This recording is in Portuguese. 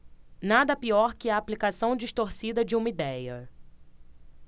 nada pior que a aplicação distorcida de uma idéia